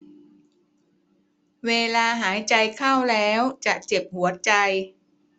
เวลาหายใจเข้าแล้วจะเจ็บหัวใจ